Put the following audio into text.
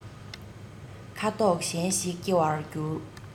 ཁ དོག གཞན ཞིག སྐྱེ བར འགྱུར